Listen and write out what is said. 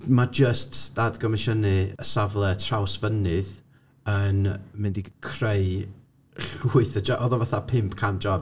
Ma' jyst datgomisiynu y safle Trawsfynydd, yn mynd i creu llwyth o jo-... oedd o fatha pump cant job.